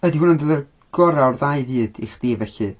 Ydy hwn yn dod â'r gorau o ddau fyd i chdi felly?